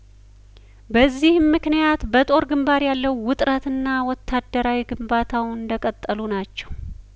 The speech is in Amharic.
በዚህም ምክንያት በጦር ግንባር ያለው ውጥረትና ወታደራዊ ግንባታው እንደቀጠሉ ናቸው